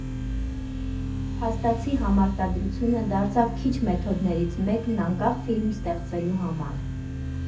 Փաստացի, համարտադրությունը դարձավ քիչ մեթոդներից մեկն անկախ ֆիլմ ստեղծելու համար։